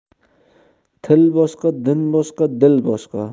til boshqa din boshqa dil boshqa